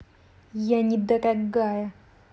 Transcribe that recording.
я не дорогая